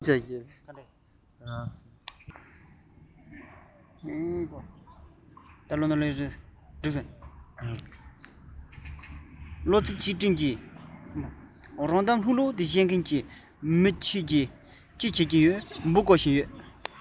རང གཏམ ལྷུག ལྷུག བཤད མཁན གྱི མི ཁྱོད ཀྱིས ཅི བྱེད ཀྱིན ཡོད འབུ རྐོ བཞིན ཡོད